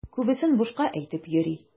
Күбесен бушка әйтеп йөри.